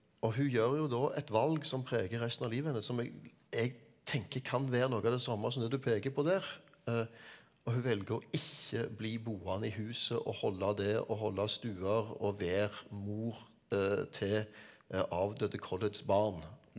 og hun gjør jo da et valg som preger resten av livet hennes som jeg jeg tenker kan være noe av det samme som det du peker på der og hun velger å ikke bli boende i huset og holde det og holde stuer og være mor til avdøde Colletts barn.